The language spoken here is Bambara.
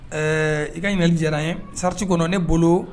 Ɛɛ i ka ɲin diyara n ye sariti kɔnɔ ne bolo